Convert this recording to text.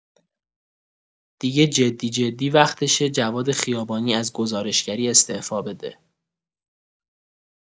دیگه جدی جدی وقتشه جواد خیابانی از گزارشگری استعفا بده